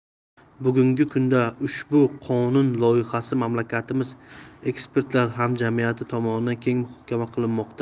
bugungi kunda ushbu qonun loyihasi mamlakatimiz ekspertlar hamjamiyati tomonidan keng muhokama qilinmoqda